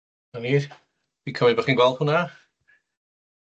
'Na ni, fi cymryd bo' chi'n gweld hwnna?